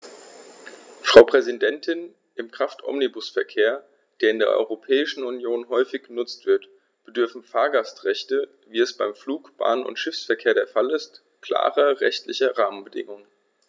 Frau Präsidentin, im Kraftomnibusverkehr, der in der Europäischen Union häufig genutzt wird, bedürfen Fahrgastrechte, wie es beim Flug-, Bahn- und Schiffsverkehr der Fall ist, klarer rechtlicher Rahmenbedingungen.